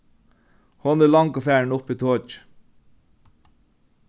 hon er longu farin upp í tokið